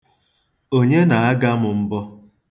Onye na-aga m mbọ?